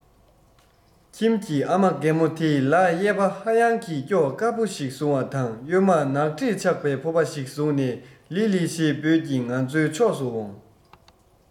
ཁྱིམ གྱི ཨ མ རྒན མོ དེས ལག གཡས པས ཧ ཡང གི སྐྱོགས དཀར པོ ཞིག བཟུང བ དང གཡོན མར ནག དྲེག ཆགས པའི ཕོར པ ཞིག བཟུང ནས ལི ལི ཞེས འབོད ཀྱིན ང ཚོའི ཕྱོགས སུ འོང